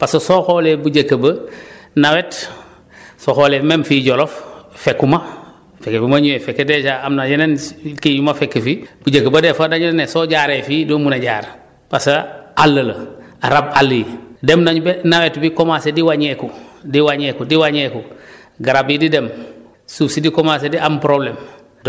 parce que soo xoolee bu njëkk ba nawet soo xoolee même fii Djolof fekku ma fekk bu ma ñëwee fekk dèjà am na yeneen kii yu ma fekk fii bu njëkk ba dañuy ne soo jaaree fii doo mun a jaar parce que àll la rab àll yi dem nañ ba nawet bi commencé di wàñ€bneeku di wàññeeku di wàññeeku garab bi di dem suuf si di commencé di am problème